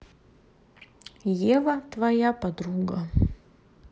ева твоя подруга